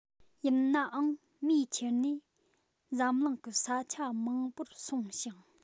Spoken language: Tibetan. ཡིན ནའང མིས ཁྱེར ནས འཛམ གླིང གི ས ཆ མང པོར སོང ཞིང